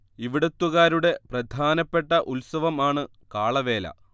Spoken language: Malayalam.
ഇവിടുത്തുകാരുടെ പ്രധാനപ്പെട്ട ഉത്സവം ആണ് കാളവേല